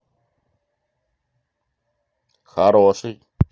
хороший